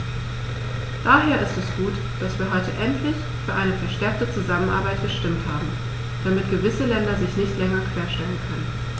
Daher ist es gut, dass wir heute endlich für eine verstärkte Zusammenarbeit gestimmt haben, damit gewisse Länder sich nicht länger querstellen können.